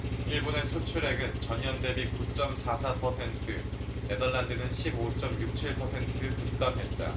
일본의 수출액은 전년대비 구 쩜 사 사 퍼센트 네덜란드는 십 오 쩜 육 칠 퍼센트 급감했다